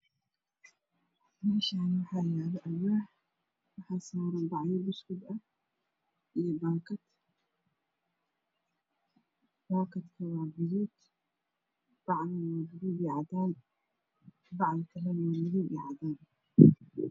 Meshaani waxaa yaalo alwaax waxaa saran bacyo buskud eh iyo bagad bakadku waa gaduud bacdune waa gaduud iyo cadaan bacad kalene waa madow iyo cadaan